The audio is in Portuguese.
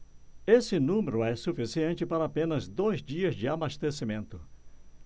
esse número é suficiente para apenas dois dias de abastecimento